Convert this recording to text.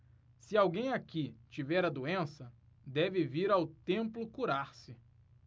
se alguém aqui tiver a doença deve vir ao templo curar-se